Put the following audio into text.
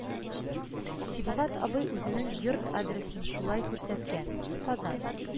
Сибгат абый үзенең йорт адресын шулай күрсәткән, Казан